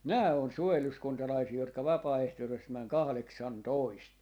nämä on suojeluskuntalaisia jotka vapaaehtoisesti meni kahdeksantoista